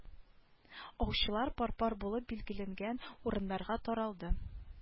Аучылар пар-пар булып билгеләнгән урыннарга таралды